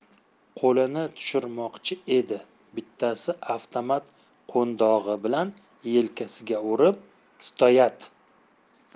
qo'lini tushirmoqchi edi bittasi avtomat qo'ndog'i bilan yelkasiga urib stoyat